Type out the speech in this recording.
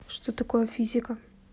что такое физика